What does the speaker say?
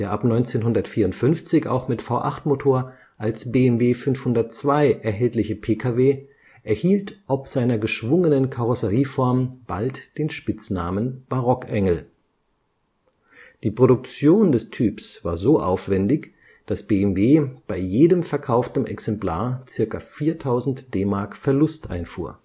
ab 1954 auch mit V8-Motor als BMW 502 erhältliche Pkw erhielt ob seiner geschwungenen Karosserieform bald den Spitznamen „ Barockengel “. Die Produktion des Typs war so aufwendig, dass BMW bei jedem verkauften Exemplar zirka 4.000 DM Verlust einfuhr